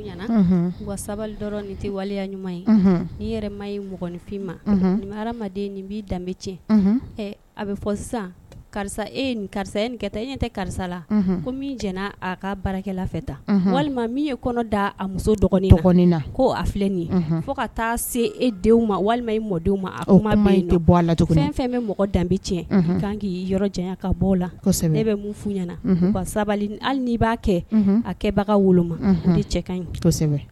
Fin ninden b'i danbebe a bɛ fɔ sisan karisa e karisa e tɛ karisa la a ka barakɛfɛ tan walima min ye kɔnɔ da a muso dɔgɔnin ko filɛ nin ye fo ka taa se e denw ma walima mɔdenw ma kuma bɔ la fɛn fɛn bɛ mɔgɔ danbebe kan k' jan ka bɔ la bɛ fɔ ɲɛna halii b'a kɛ a kɛbaga wolo cɛ ka